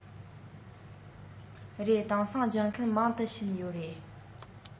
རེད དེང སང སྦྱོང མཁན མང དུ ཕྱིན ཡོད རེད